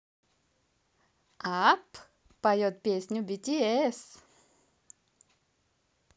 апп поет песню bts